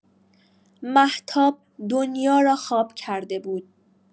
مهتاب دنیا را خواب کرده بود.